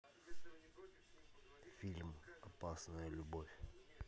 фильм опасная любовь